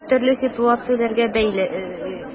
Төрле ситуацияләргә бәйле.